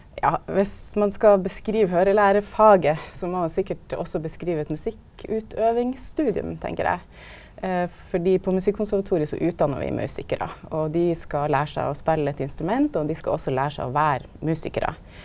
ja viss ein skal beskriva høyrelærefaget så må ein sikkert også beskriva eit musikkutøvingsstudium tenker eg fordi på musikkonservatoriet så utdannar vi musikarar, og dei skal læra seg å spele eit instrument, og dei skal også læra seg å vera musikarar.